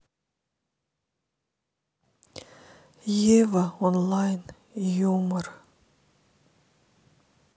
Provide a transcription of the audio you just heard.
ева онлайн юмор